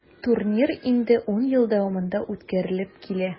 Турнир инде 10 ел дәвамында үткәрелеп килә.